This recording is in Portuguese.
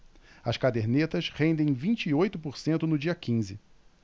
as cadernetas rendem vinte e oito por cento no dia quinze